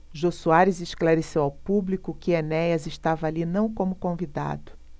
jô soares esclareceu ao público que enéas estava ali não como convidado